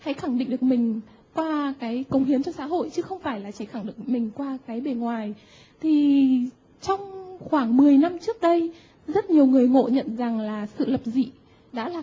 hãy khẳng định được mình qua cái cống hiến cho xã hội chứ không phải là chỉ khẳng định mình qua cái bề ngoài thì trong khoảng mười năm trước đây rất nhiều người ngộ nhận rằng là sự lập dị đã là